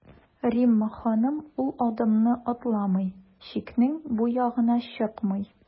Римма ханым ул адымны атламый, чикнең бу ягына чыкмый.